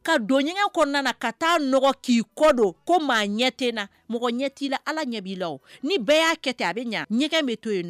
Ka dɔn ɲɛgɛn ko ka taa k'i kɔ don ko maa ɲɛt mɔgɔ ɲɛ t'i la ala ɲɛ' i la ni bɛɛ y'a kɛ a bɛ ɲɛ ɲɛgɛn bɛ to yen